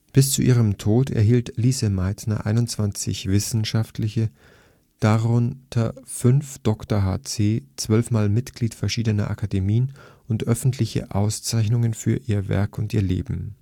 Bis zu ihrem Tod erhielt Lise Meitner 21 wissenschaftliche (darunter 5 Dr. h. c., 12 mal Mitglied verschiedener Akademien) und öffentliche Auszeichnungen für ihr Werk und ihr Leben